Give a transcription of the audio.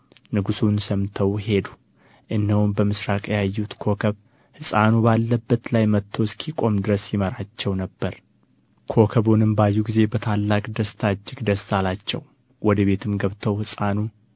ንጉሡን ሰምተው ሄዱ እነሆም በምሥራቅ ያዩት ኮከብ ሕፃኑ ባለበት ላይ መጥቶ እስኪቆም ድረስ ይመራቸው ነበር ኮከቡንም ባዩ ጊዜ በታላቅ ደስታ እጅግ ደስ አላቸው ወደ ቤትም ገብተው ሕፃኑን